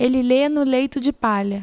ele lê no leito de palha